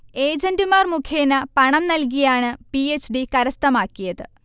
ഏജൻറുമാർ മുഖേന പണം നൽകിയാണ് പി. എച്ച്. ഡി. കരസ്ഥമാക്കിയത്